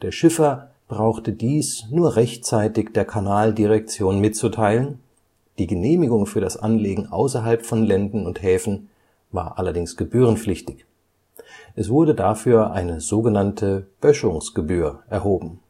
Schiffer brauchte dies nur rechtzeitig der Kanaldirektion mitzuteilen, die Genehmigung für das Anlegen außerhalb von Länden und Häfen war allerdings gebührenpflichtig, es wurde dafür eine sogenannte Böschungsgebühr erhoben